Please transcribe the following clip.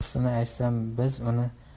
rostini aytsam biz